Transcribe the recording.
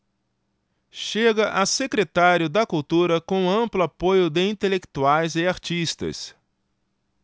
chega a secretário da cultura com amplo apoio de intelectuais e artistas